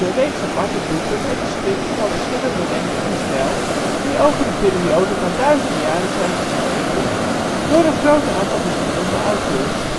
reeks aparte boeken en geschriften van verschillende lengte en stijl, die over een periode van duizenden jaren zijn geschreven door een groot aantal verschillende auteurs